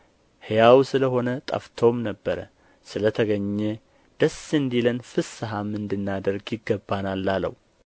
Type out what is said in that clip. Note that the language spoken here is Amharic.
ሕያው ስለ ሆነ ጠፍቶም ነበር ስለ ተገኘ ደስ እንዲለን ፍሥሐም እንድናደርግ ይገባናል አለው